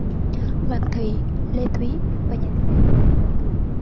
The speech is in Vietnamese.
hoàng thùy lê thúy và nhà thiết kế đỗ mạnh cường